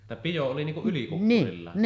että pio oli niin kuin ylikukkuroillaan